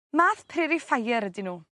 Math periphyer ydyn n'w